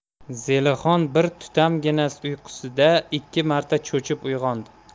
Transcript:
zelixon bir tutamgina uyqusida ikki marta cho'chib uyg'ondi